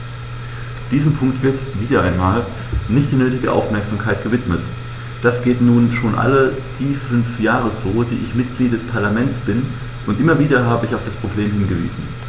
Diesem Punkt wird - wieder einmal - nicht die nötige Aufmerksamkeit gewidmet: Das geht nun schon all die fünf Jahre so, die ich Mitglied des Parlaments bin, und immer wieder habe ich auf das Problem hingewiesen.